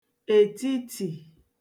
ètitì